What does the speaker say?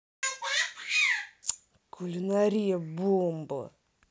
кулинария бомба